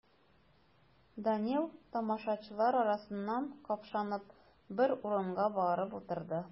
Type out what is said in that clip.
Данил, тамашачылар арасыннан капшанып, бер урынга барып утырды.